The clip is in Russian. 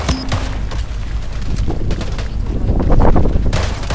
а ты видел мою картину